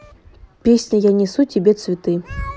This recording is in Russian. песня я несу тебе цветы